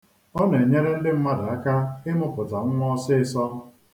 O na-enyere ndị mmadụ aka ịmụpụta nwa ọsịịsọ.